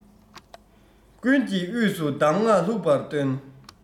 ཀུན གྱི དབུས སུ གདམས ངག ལྷུག པར སྟོན